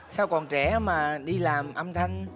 sau còn trẻ mà đi làm âm thanh